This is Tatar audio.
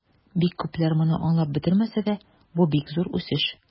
Бик күпләр моны аңлап бетермәсә дә, бу бик зур үсеш.